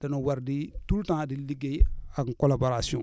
danoo war di tout le temps di liggéey en collaboration